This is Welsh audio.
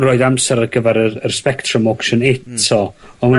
roid amser ar gyfer yr yr sbectrum aution eto ond...